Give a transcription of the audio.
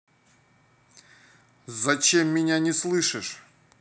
зачем меня не слышишь